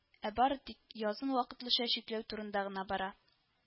Ә бары тик язын вакытлыча чикләү турында гына бара